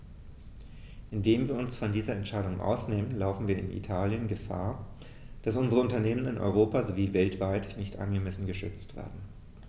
Indem wir uns von dieser Entscheidung ausnehmen, laufen wir in Italien Gefahr, dass unsere Unternehmen in Europa sowie weltweit nicht angemessen geschützt werden.